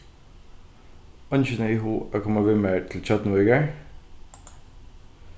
eingin hevði hug at koma við mær til tjørnuvíkar